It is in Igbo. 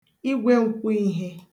igwēǹkwọihe